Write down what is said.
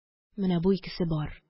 Менә бу икесе бар